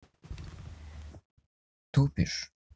тупишь